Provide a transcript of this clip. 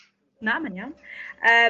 Na mae'n iawn yym